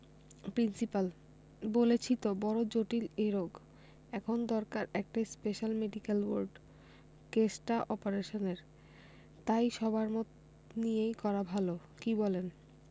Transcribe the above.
principal বলেছি তো বড় জটিল এ রোগ এখন দরকার একটা স্পেশাল মেডিকেল বোর্ড কেসটা অপারেশনের তাই সবার মত নিয়েই করা ভালো কি বলেন